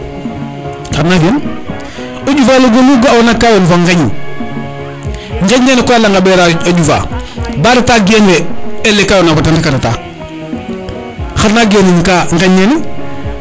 xar na fiyan o ƴufago lu ga ona ka yoon fo ŋeñ ŋeñ nene koy a laŋa mbera a ƴufa ba reta geen we eel le ka yona fo den rek a reta xana genin ka ŋeñ nene